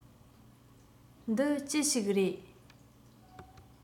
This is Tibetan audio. འདི ཅི ཞིག རེད